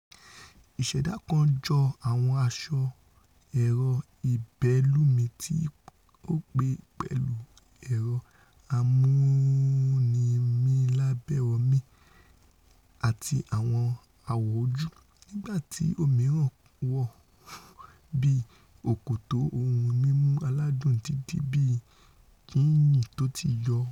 Ìṣẹdá kan jọ àwọn asọ ẹ̀rọ ìbẹ́lumi tí ó pé pẹ̀lu ẹ̀rọ amúnimílábẹ-omi àti àwọn awò ojú, nígbà tí òmíràn wò bíi òkòtó ohun mímu aládùn dídì bíi yìnyín tóti yo.